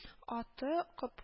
Аты — Коп